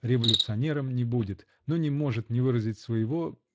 революционером не будет -- но не может не выразить своего.